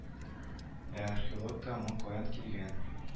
Ә археологка моң каян килгән